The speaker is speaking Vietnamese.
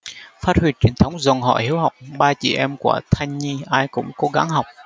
phát huy truyền thống dòng họ hiếu học ba chị em của thanh nhi ai cũng cố gắng học